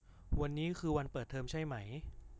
วันนี้คือวันเปิดเทอมใช่ไหม